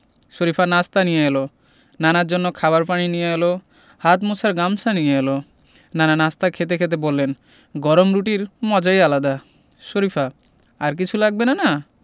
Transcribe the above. শরিফা নাশতা নিয়ে এলো নানার জন্য খাবার পানি নিয়ে এলো হাত মোছার গামছা নিয়ে এলো নানা নাশতা খেতে খেতে বললেন গরম রুটির মজাই আলাদা শরিফা আর কিছু লাগবে নানা